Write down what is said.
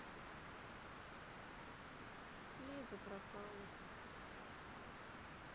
лиза пропала